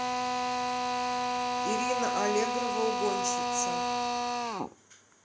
ирина аллегрова угонщица